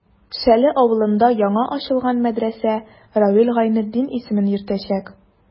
Шәле авылында яңа ачылган мәдрәсә Равил Гайнетдин исемен йөртәчәк.